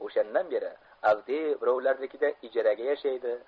oshandan beri avdiy birovlarnikida ijaraga yashaydi